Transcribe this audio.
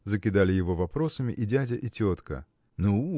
– закидали его вопросами и дядя и тетка. – Ну!